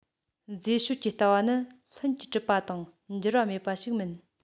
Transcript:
མཛེས དཔྱོད ཀྱི ལྟ བ ནི ལྷུན གྱིས གྲུབ པ དང འགྱུར བ མེད པ ཞིག མིན